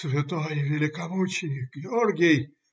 - Святой великомученик Георгий!